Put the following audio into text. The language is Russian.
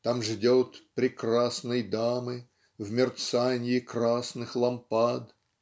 там ждет Прекрасной Дамы в мерцаньи красных лампад"